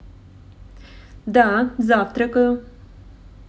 да завтракаю